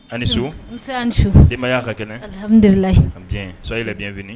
A' ni su nsee a' ni su denbaya ka kɛnɛ alhamdulilahi bien soyez les bienvenus